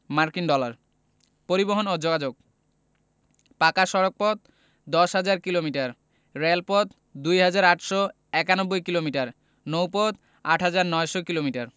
মার্কিন ডলার পরিবহণ ও যোগাযোগঃ পাকা সড়কপথ ১০হাজার কিলোমিটার রেলপথ ২হাজার ৮৯১ কিলোমিটার নৌপথ ৮হাজার ৯০০ কিলোমিটার